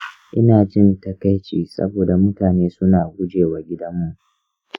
ina jin takaici saboda mutane suna guje wa gidanmu.